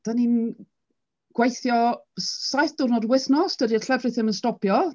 Dan ni'n gweithio s- saith diwrnod y wythnos, dydy'r llefrith ddim yn stopio.